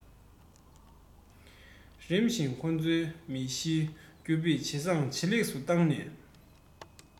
རིམ གྱིས ཁོ ཚོའི མི གཞིའི རྒྱུ སྤུས ཇེ བཟང ཇེ ལེགས སུ བཏང ནས